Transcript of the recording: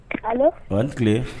H tile